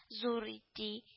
Зур ди